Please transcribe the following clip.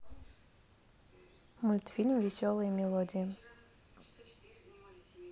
мультфильм веселые мелодии